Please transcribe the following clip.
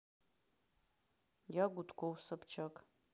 я гудков собчак